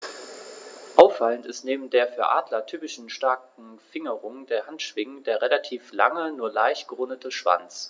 Auffallend ist neben der für Adler typischen starken Fingerung der Handschwingen der relativ lange, nur leicht gerundete Schwanz.